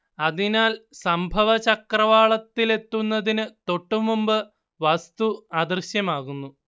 അതിനാൽ സംഭവചക്രവാളത്തിലെത്തുന്നതിന് തൊട്ടുമുമ്പ് വസ്തു അദൃശ്യമാകുന്നു